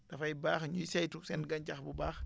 dafay baax ñuy saytu seen gàncax bu baax